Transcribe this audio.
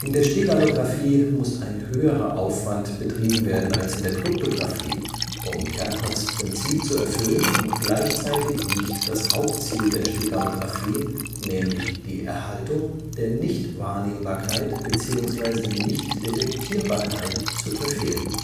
der Steganographie muss ein höherer Aufwand betrieben werden als in der Kryptographie, um Kerckhoffs ' Prinzip zu erfüllen und gleichzeitig nicht das Hauptziel der Steganographie, die Erhaltung der Nichtwahrnehmbarkeit bzw. Nichtdetektierbarkeit, zu verfehlen